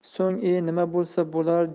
so'ng e nima bo'lsa bo'lar